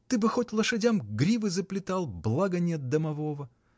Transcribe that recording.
Ты бы хоть лошадям гривы заплетал, благо нет домового!